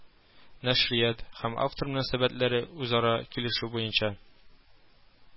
Нәшрият һәм автор мөнәсәбәләре үзара килешү буенча